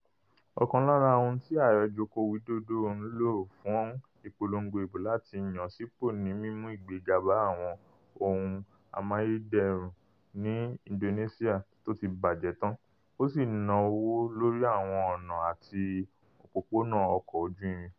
Ọ̀kan lára ohun tí Ààrẹ Joko Widodo ń lò fún ìpolongo ìbò láti yan án sípò ni mímú ìgbéga bá àwọn ohun amáyédèrú ní Indonesia tó ti bàjẹ́ tán, ó sì náwó lórí àwọn ọ̀nà àti opópónà ọkọ̀ ojú-irin